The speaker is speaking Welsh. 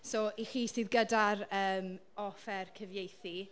So i chi sydd gyda'r yym offer cyfieithu.